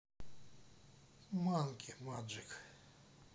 манки маджек